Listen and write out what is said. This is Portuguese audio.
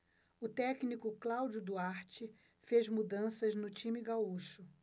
o técnico cláudio duarte fez mudanças no time gaúcho